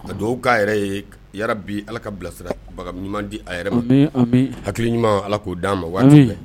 Ka dugawu k'a yɛrɛ ye, yaa rabbi bi allah ka bilasiraba ɲuman di a yɛrɛ ma, amin, amin, hakili ɲuman allah k'o d'a ma waati bɛ, amin!